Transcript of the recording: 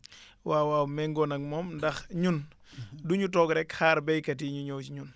waawaaw méngóo naag moom ndax ñun du ñu toog rek xaar béykat yi ñu ñëw si ñun